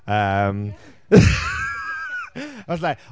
Yym I was like...